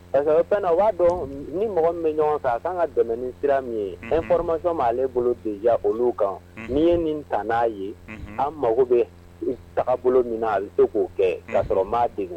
Fɛn na'a dɔn ni mɔgɔ bɛ ɲɔgɔn kan ka kan ka dɛmɛ sira min ye n kɔrɔmasɔn ma ale bolo di diya olu kan nii ye nin ta n'a ye an mago bɛ taga bolo min na ale bɛ se k'o kɛ'a sɔrɔ maa ten